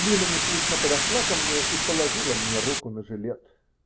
Лина неслышно подошла ко мне и положила мне руку на жилет.